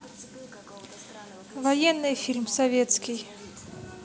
военный фильм советский